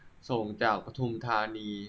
ส่งจากปทุมธานี